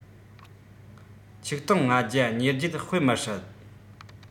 ༡༥༢༨ དཔེ མི སྲིད